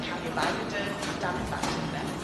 carrier bag gyda darlun bag sy ano fe